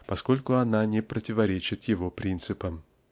поскольку она не противоречит его принципам.